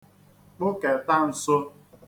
kpụkèta nso